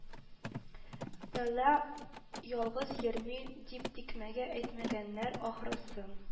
Бәла ялгыз йөрми, дип, тикмәгә әйтмәгәннәр, ахрысы